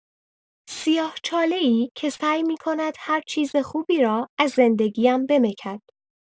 سیاه‌چاله‌ای که سعی می‌کند هرچیز خوبی را از زندگی‌ام بمکد.